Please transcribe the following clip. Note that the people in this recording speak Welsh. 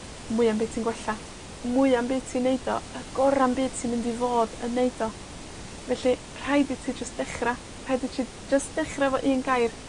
mwya 'm byd ti'n gwella. Mwya 'm byd ti'n neud o, y gora'n byd ti mynd i fod yn neud o. Felly, rhaid i ti jyst dechra. Rhaid i ti jyst dechra efo un gair,